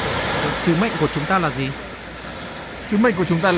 sứ mệnh của chúng ta là gì sứ mệnh của chúng ta